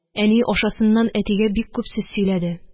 Әни ашасыннан әтигә бик күп сүз сөйләде